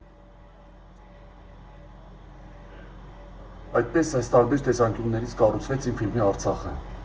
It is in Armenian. Այդպես, այս տարբեր տեսանկյուններից կառուցվեց իմ ֆիլմի Արցախը։